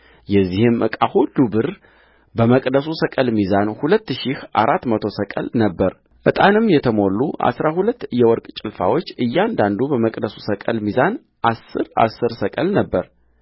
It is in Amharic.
የዚህም ዕቃ ሁሉ ብር በመቅደሱ ሰቅል ሚዛን ሁለት ሺህ አራት መቶ ሰቅል ነበረዕጣንም የተሞሉ አሥራ ሁለቱ የወርቅ ጭልፋዎች እያንዳንዱ በመቅደሱ ሰቅል ሚዛን አሥር አሥር ሰቅል ነበረ